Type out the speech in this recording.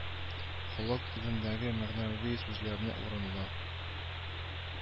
Халык телендәге мәгънәви сүзләрне урынлы